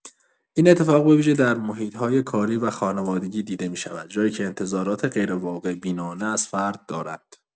این اتفاق به‌ویژه در محیط‌های کاری و خانوادگی دیده می‌شود، جایی که انتظارات غیرواقع‌بینانه از فرد دارند.